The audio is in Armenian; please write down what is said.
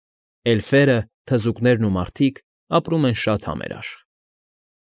Էլֆերը, թզուկնեն ու մարդիկ ապրում են շատ համերաշխ։